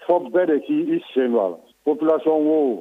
Fa bɛɛ de k'i i sen wa ko plasɔnon wo